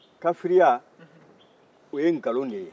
kafiriya o ye nkalon de ye